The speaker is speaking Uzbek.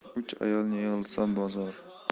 uch ayol yig'ilsa bozor